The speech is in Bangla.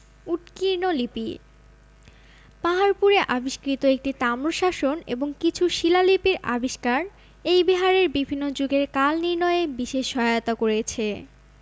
উৎকীর্ণ লিপি পাহাড়পুরে আবিষ্কৃত একটি তাম্রশাসন এবং কিছু শিলালিপির আবিষ্কার এই বিহারের বিভিন্ন যুগের কাল নির্ণয়ে বিশেষ সহায়তা করেছে